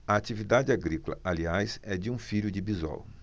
a atividade agrícola aliás é de um filho de bisol